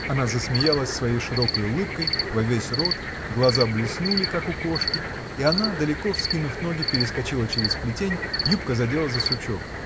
Она засмеялась своей широкой улыбкой во весь рот, глаза блеснули, как у кошки, и она, далеко вскинув ноги, перескочила через плетень, юбка задела за сучок.